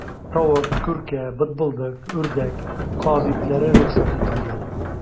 Тавык, күркә, бытбылдык, үрдәк, каз итләре рөхсәт ителгән.